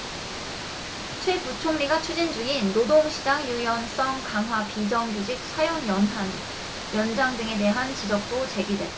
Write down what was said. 최 부총리가 추진 중인 노동시장 유연성 강화 비정규직 사용연한 연장 등에 대한 지적도 제기됐다